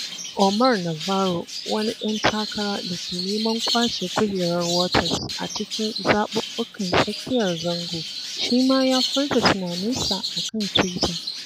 Omar Navarro, wani ɗan takara da ke neman ƙwace kujerar Waters a cikin zaɓuɓɓukan tsakiyar zango, shi ma ya furta tunaninsa a kan Twitter.